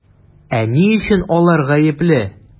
Ә ни өчен алар гаепле?